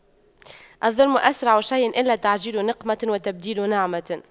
الظلم أسرع شيء إلى تعجيل نقمة وتبديل نعمة